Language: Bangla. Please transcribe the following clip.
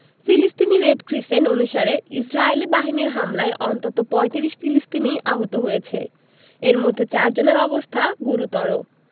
ফিলিস্তিনি রেড ক্রিসেন্ট অনুসারে ইসরাইলি বাহিনীর হামলায় অন্তত ৩৫ ফিলিস্তিনি আহত হয়েছেন এর মধ্যে চারজনের অবস্থা গুরুত্বর